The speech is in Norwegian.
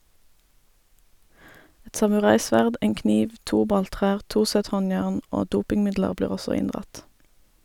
Et samuraisverd, en kniv, to balltrær, to sett håndjern og dopingmidler blir også inndratt.